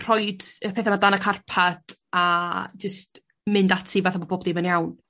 rhoid y petha 'ma dan y carpad a jyst mynd ati fatha bo' pob dim yn iawn.